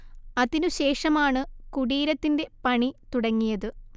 അതിനുശേഷമാണ് കുടീരത്തിന്റെ പണി തുടങ്ങിയത്